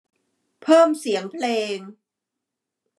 เพิ่มเสียงเพลง